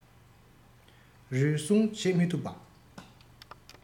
རུལ སུངས བྱེད མི ཐུབ པ